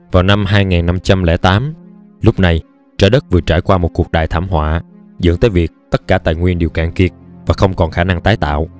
vào năm lúc này trái đất vừa trải qua một cuộc đại thảm họa dẫn tới việc tất cả tài nguyên đều cạn kiệt và không còn khả năng tái tạo